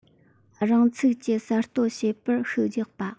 རང ཚུགས ཀྱིས གསར གཏོད བྱེད པར ཤུགས རྒྱག པ